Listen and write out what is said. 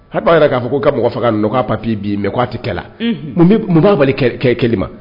Ha b'a jira k'a fɔ ko ka mɔgɔ faga ka nin nɔ k'a papier bɛ yen mais k'a tɛ kɛla, unhun, mun b'a bali kɛli ma